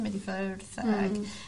...mynd i ffwrdd ag... Hmm. ...